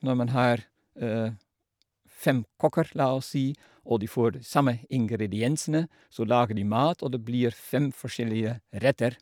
Når man har fem kokker, la oss si, og de får samme ingrediensene, så lager de mat, og det blir fem forskjellige retter.